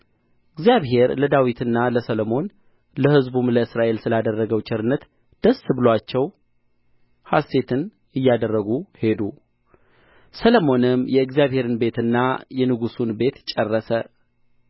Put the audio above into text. እግዚአብሔር ለዳዊትና ለሰሎሞን ለሕዝቡም ለእስራኤል ስላደረገው ቸርነት ደስ ብሎአቸው ሐሴትን እያደረጉ ሄዱ ሰሎሞንም የእግዚአብሔርን ቤትና የንጉሡን ቤት ጨረሰ